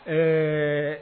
Un